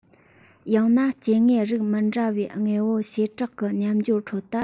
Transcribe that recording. ཡང ན སྐྱེ དངོས རིགས མི འདྲ བའི དངོས པོའི བྱེ བྲག གི མཉམ སྦྱོར ཁྲོད དུ